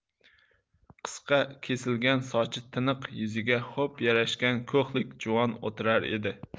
qisqa kesilgan sochi tiniq yuziga xo'p yarashgan ko'hlik juvon o'tirar edi